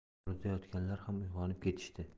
hovlida yotganlar ham uyg'onib ketishdi